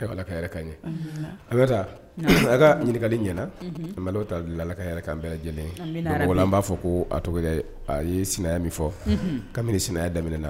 A bɛ a ka ɲininkali ɲɛna n tala bɛɛ lajɛlen mɔgɔ n b'a fɔ ko a to a ye min fɔ kabini sinan daminɛɛna